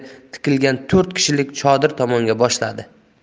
ostiga tikilgan to'rt kishilik chodir tomonga boshladi